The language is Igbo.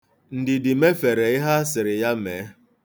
Ndidi mefere ihe a sịrị ya mee.